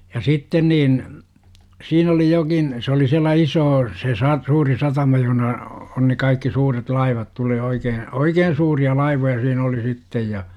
ja sitten niin siinä oli jokin se oli siellä iso se - suuri satama johon on ne kaikki suuret laivat tulee oikein oikein suuria laivoja siinä oli sitten ja